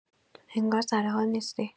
انگار سرحال نیستی.